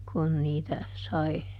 kun niitä sai